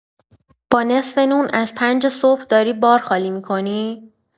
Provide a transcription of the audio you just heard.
با نصف نون از پنج صبح داری بار خالی می‌کنی؟